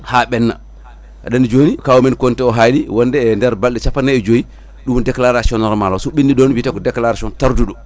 ha ɓenna aɗa andi joni kaw men Konté o haali wonde e nder balɗe capannayyi e joyyi ɗum woni déclaration normal o so ɓenni ɗon wiyete ko déclaration tarduɗo